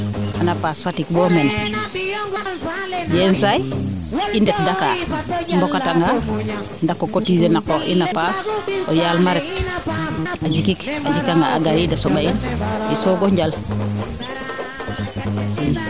xana paas Fatck bop mene yenisaay i ndet Dakar i mboka tanga ndako cotiser na qoox in a paas o yaama ret a jikik a jika nga a gariida a somba in i soogo njal